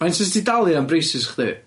Faint nes di dalu am braces chdi?